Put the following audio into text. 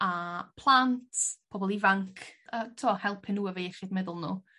a plant pobol ifanc yy t'mo' helpu nhw efo iechyd meddwl nw.